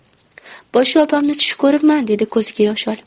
poshsha opamni tush ko'ribman dedi ko'ziga yosh olib